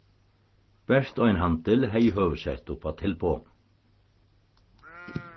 bert ein handil hevði høvuðsett upp á tilboð